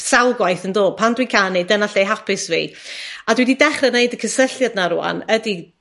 sawl gwaith yndo pan dwi canu, dyna lle hapus i fi a dwi 'di dechre neud y cysylltiad 'na rŵan. Ydi.